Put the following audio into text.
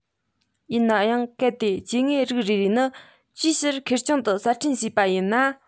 ཡིན ནའང གལ ཏེ སྐྱེ དངོས རིགས རེ རེ ནི ཅིའི ཕྱིར ཁེར རྐྱང དུ གསར སྐྲུན བྱས པ ཡིན ན